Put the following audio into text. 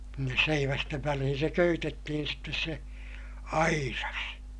sinne seivästen väliin se köytettiin sitten se aidas